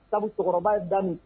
Sabu cɛkɔrɔba ye da min